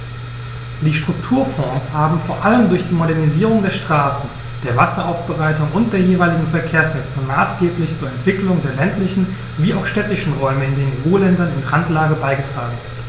Die Strukturfonds haben vor allem durch die Modernisierung der Straßen, der Wasseraufbereitung und der jeweiligen Verkehrsnetze maßgeblich zur Entwicklung der ländlichen wie auch städtischen Räume in den EU-Ländern in Randlage beigetragen.